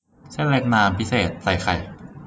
เส้นเล็กน้ำพิเศษใส่ไข่